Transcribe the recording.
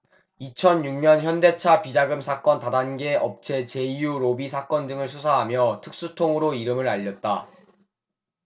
이천 육 년 현대차 비자금 사건 다단계 업체 제이유 로비 사건 등을 수사하며 특수통으로 이름을 알렸다